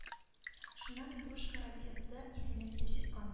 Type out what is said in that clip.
Шуннан петрушка разъезды исеме килеп чыккан